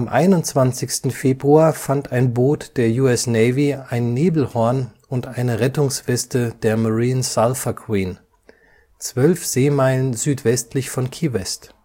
21. Februar fand ein Boot der US Navy ein Nebelhorn und eine Rettungsweste der Marine Sulphur Queen – 12 Seemeilen südwestlich von Key West